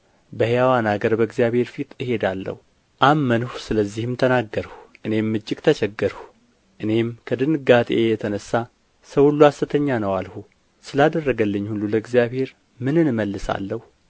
በሕያዋን አገር በእግዚአብሔር ፊት እሄዳለሁ አመንሁ ስለዚህም ተናገርሁ እኔም እጅግ ተቸገርሁ እኔም ከድንጋጤዬ የተነሣ ሰው ሁሉ ሐሰተኛ ነው አልሁ ስላደረገልኝ ሁሉ ለእግዚአብሔር ምንን እመልሳለሁ